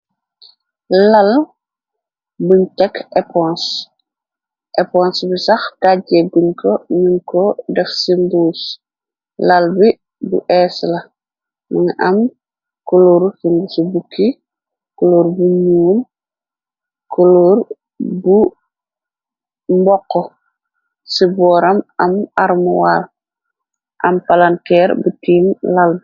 Lal bu tekk epons, epons bi sax dajje guñ ko ñuñ ko dex ci nduus. Lal bi bu eesla, mungi am kulóru sungi ci bukki, kulór bu ñuul , kulóur bu mbokx ci booram am armowal am palanteer bi tiim lal bi.